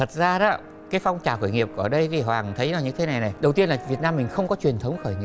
thật ra đó cái phong trào khởi nghiệp ở đây vì hoàng thấy như thế này này đầu tiên ở việt nam mình không có truyền thống khởi